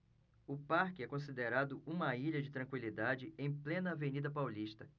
o parque é considerado uma ilha de tranquilidade em plena avenida paulista